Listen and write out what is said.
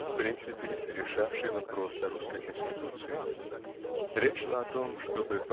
в принципе решавшей вопрос о русской конституции. Речь шла о том чтобы